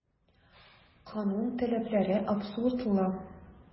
Канун таләпләре абсурдлы.